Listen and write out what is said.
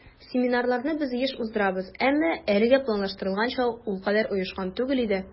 Семинарларны без еш уздырабыз, әмма әлегә планлаштырылганча ул кадәр оешкан түгел иде.